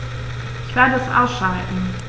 Ich werde es ausschalten